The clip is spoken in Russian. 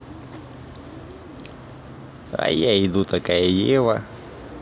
а я иду такая ева